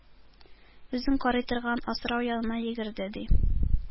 Үзен карый торган асрау янына йөгерде, ди.